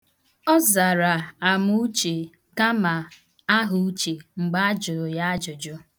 Ọ zara amụuche kama ahauche mgbe a jụrụ ya ajụjụ.